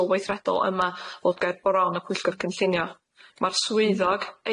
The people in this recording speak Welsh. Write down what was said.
olweithredol yma fod ger bron y pwyllgor cynllunio ma'r swyddog